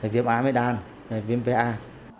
viêm a mi đan hay viêm vê a